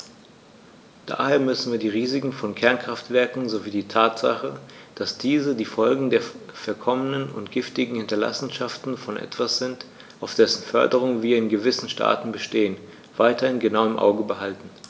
Daher müssen wir die Risiken von Kernkraftwerken sowie die Tatsache, dass diese die Folgen der verkommenen und giftigen Hinterlassenschaften von etwas sind, auf dessen Förderung wir in gewissen Staaten bestehen, weiterhin genau im Auge behalten.